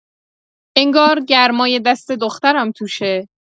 انگار گرمای دست دخترم توشه.